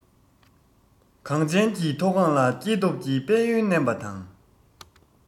གངས ཅན གྱི མཐོ སྒང ལ སྐྱེ སྟོབས ཀྱི དཔལ ཡོན བསྣན པ དང